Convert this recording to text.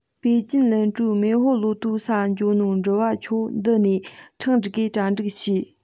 པེ ཅིན ལན ཀྲོའུ མེན ཧོ ལོ ཏུའུ ས འགྱོ ནོ འགྲུལ བ ཆོ འདི ནས འཕྲེང སྒྲིགས གས གྲ སྒྲིག བྱོས